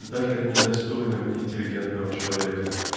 даже недостойным интеллигентного человека.